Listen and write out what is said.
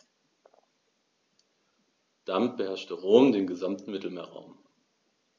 Damit beherrschte Rom den gesamten Mittelmeerraum.